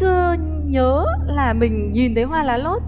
chưa nhớ là mình nhìn thấy hoa lá lốt